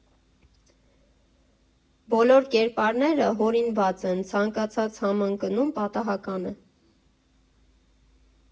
ԲՈԼՈՐ ԿԵՐՊԱՐՆԵՐԸ ՀՈՐԻՆՎԱԾ ԵՆ, ՑԱՆԿԱՑԱԾ ՀԱՄԸՆԿՆՈՒՄ ՊԱՏԱՀԱԿԱՆ Է։